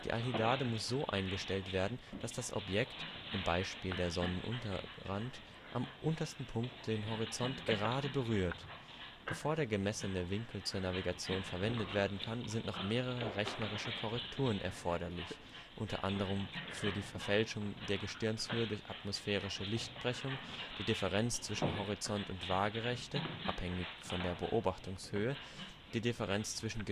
Alhidade muss so eingestellt werden, dass das Objekt (im Beispiel der Sonnenunterrand) am untersten Punkt den Horizont gerade berührt. Bevor der gemessene Winkel zur Navigation verwendet werden kann, sind noch mehrere rechnerische Korrekturen erforderlich, u.a. für die Verfälschung der Gestirnshöhe durch atmosphärische Lichtbrechung, die Differenz zwischen Horizont und Waagerechte (abhängig von der Beobachtungshöhe), die Differenz zwischen